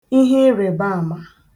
ihe ịrị̀baàmà